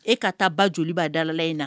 E ka taa ba joliba dalala in na